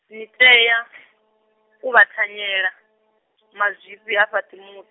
ni tea , u vha thanyela, mazwifhi ha fhaṱi muḓi.